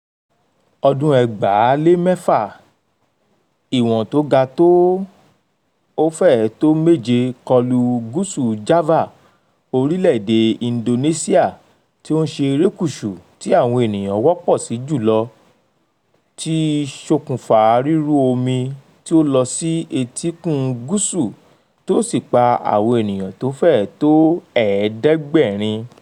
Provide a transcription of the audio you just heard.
Ọdún 2006: Ìwọ̀n tó ga tó 6.8 kọlu gúsù Java, Orílẹ̀-èdè Indonesia tí ń ṣe erékùṣú tí àwọn ènìyàn wọ́pọ̀ sí jùlọ, ti ṣokùnfà rírú omi tí ó lọ sí etíkun gúsù, tí ó sì pa àwọn ènìyàn tó fẹ́ẹ tó 700.